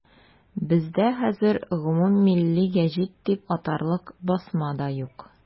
Бездә хәзер гомуммилли гәҗит дип атарлык басма да юк.